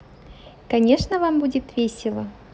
конечно вам будет весело